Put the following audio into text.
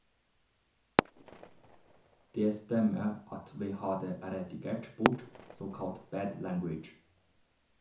- Det stemmer at vi hadde redigert bort såkalt "bad language".